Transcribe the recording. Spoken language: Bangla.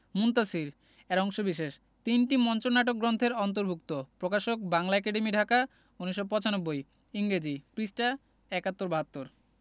মুনতাসীর এর অংশবিশেষ তিনটি মঞ্চনাটক গ্রন্থের অন্তর্ভুক্ত প্রকাশকঃ বাংলা একাডেমী ঢাকা ১৯৯৫ ইংরেজি পৃঃ ৭১ ৭২